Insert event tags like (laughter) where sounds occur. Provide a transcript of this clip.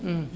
(hesitation) (hesitation)